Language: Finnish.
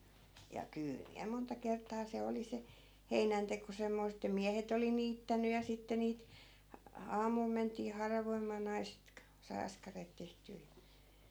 ja kyllä minä monta kertaa se oli se heinänteko semmoista että miehet oli niittänyt ja sitten niitä - aamulla mentiin haravoimaan naiset - sai askareet tehtyä ja